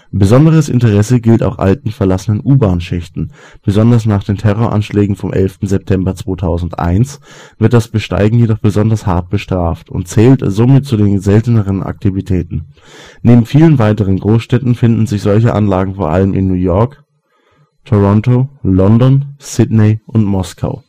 Besonderes Interesse gilt auch alten, verlassenen U-Bahnschächten. Besonders nach den Terroranschlägen vom 11. September 2001 wird das Besteigen jedoch besonders hart bestraft und zählt somit zu den selteneren Aktivitäten. Neben vielen weiteren Großstädten finden sich solche Anlagen vor allem in New York City, Toronto, London, Sydney und Moskau